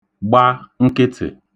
gba nkịtị̀